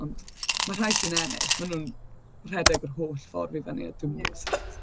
Ond mae'r rhai sy'n ennill, maen nhw'n rhedeg yr holl ffordd i fyny, a dwi'm yn gwybod... ie. ...sut.